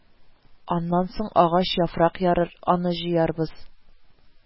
Аннан соң агач яфрак ярыр, аны җыярбыз